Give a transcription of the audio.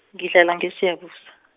kethlanga nge eSiyabuswa.